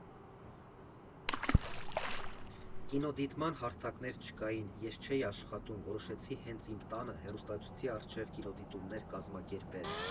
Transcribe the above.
Կինոդիտման հարթակներ չկային, ես չէի աշխատում, որոշեցի հենց իմ տանը՝ հեռուստացույցի առջև կինոդիտումներ կազմակերպել։